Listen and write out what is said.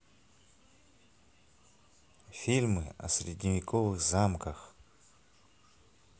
фильмы о средневековых замках